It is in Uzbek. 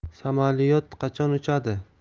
samaliyot qachon uchadi